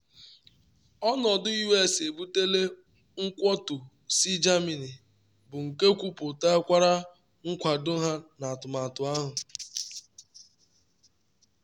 Ọnọdụ US ebutela nkwụtọ si Germany, bụ nke kwuputakwara nkwado ha n’atụmatụ ahụ.